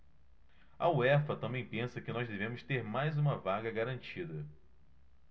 a uefa também pensa que nós devemos ter mais uma vaga garantida